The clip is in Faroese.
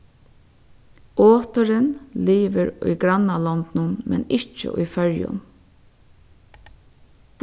oturin livir í grannalondunum men ikki í føroyum